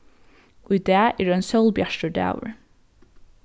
í dag er ein sólbjartur dagur